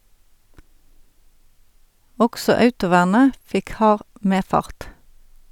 Også autovernet fikk hard medfart.